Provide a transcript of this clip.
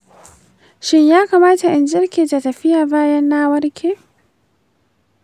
shin ya kamata in jinkirta tafiya bayan na warke?